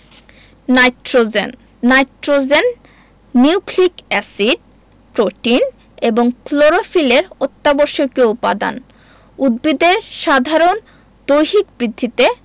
nitrogen nitrogen nucleic acid protein এবং ক্লোরোফিলের অত্যাবশ্যকীয় উপাদান উদ্ভিদের সাধারণ দৈহিক বৃদ্ধিতে